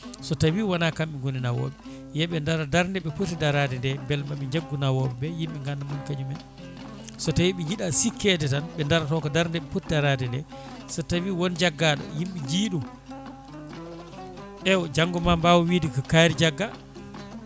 so tawi wona kamɓe gooni nawoɓe yooɓe daaro darde ndeɓe pooti daarade nde beel mooɓe jaggu nawoɓeɓe yimɓe ganda mooni kañumen so tawi ɓe jiiɗa sikkede tan ɓe daaroto ko darde ndeɓe pooti daarade nde so tawi woon jaggaɗo yimɓe jiiɗum eywa janggo ma mbaw wiide ko kaari jagga